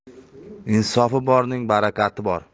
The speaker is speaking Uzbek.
insofi borning barakati bor